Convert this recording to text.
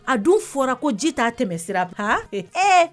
A dun fɔra ko ji t'a tɛmɛ sira h ee ɛɛ